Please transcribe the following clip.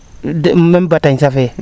meme batañsa fee